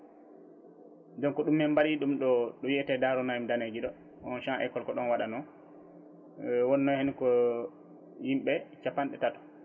donc ɗum ne mbaɗi ɗum ɗo ɗo wiiyete * danejo ɗo un champs école ko ɗon waɗano wonno hen ko yimɓe capantato